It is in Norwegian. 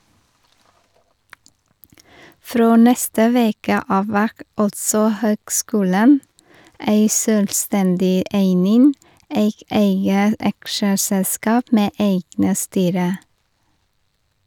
Frå neste veke av vert altså høgskulen ei sjølvstendig eining, eit eige aksjeselskap med eige styre.